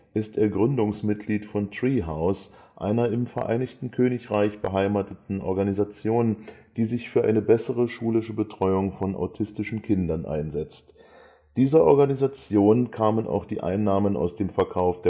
ist er Gründungsmitglied von TreeHouse, einer im Vereinigten Königreich beheimateten Organisation, die sich für eine bessere schulische Betreuung von autistischen Kindern einsetzt. Dieser Organisation kamen auch die Einnahmen aus dem Verkauf